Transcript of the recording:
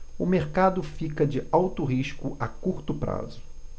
o mercado fica de alto risco a curto prazo